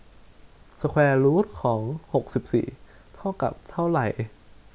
สแควร์รูทของหกสิบสี่เท่ากับเท่าไหร่